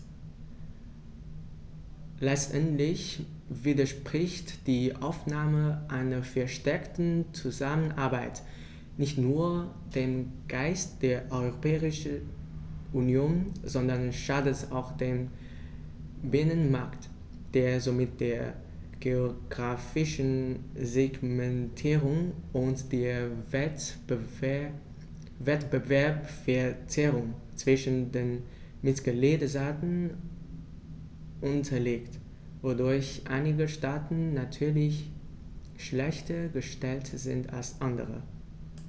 Letztendlich widerspricht die Aufnahme einer verstärkten Zusammenarbeit nicht nur dem Geist der Europäischen Union, sondern schadet auch dem Binnenmarkt, der somit der geographischen Segmentierung und der Wettbewerbsverzerrung zwischen den Mitgliedstaaten unterliegt, wodurch einige Staaten natürlich schlechter gestellt sind als andere.